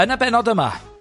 Yn y bennod yma.